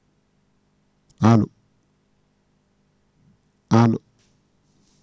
alo alo